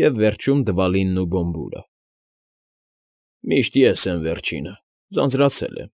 Եվ վերջում՝ Դվալին ու Բոմբուրը։ ֊ Միշտ ես եմ վերջինը, ձանձրացել եմ,֊